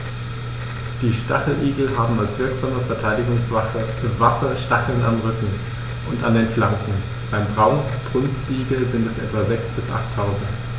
Die Stacheligel haben als wirksame Verteidigungswaffe Stacheln am Rücken und an den Flanken (beim Braunbrustigel sind es etwa sechs- bis achttausend).